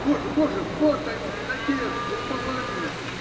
Боже, боже, вот они, надежды, упования!